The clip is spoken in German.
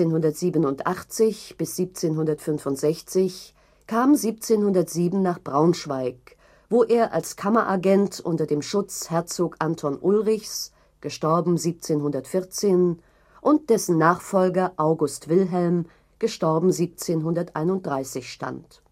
1687 – 1765) kam 1707 nach Braunschweig, wo er als Kammeragent unter dem Schutz Herzog Anton Ulrichs († 1714) und dessen Nachfolger August Wilhelm († 1731) stand